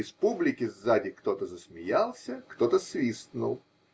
Из публики сзади кто-то засмеялся, кто-то свистнул.